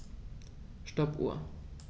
Stoppuhr.